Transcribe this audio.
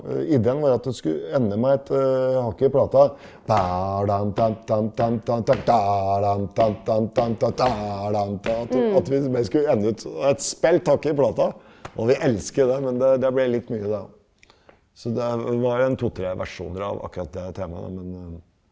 idéen var at det skulle ende med et hakk plata at at vi bare skulle ende ut et spilt hakk plata, og vi elsket det men det det ble litt mye da, så det var en to, tre versjoner av akkurat det temaet men.